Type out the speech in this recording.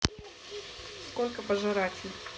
сколько пожиратель